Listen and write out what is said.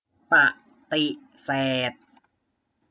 ปฏิเสธ